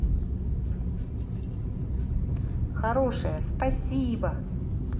хорошая спасибо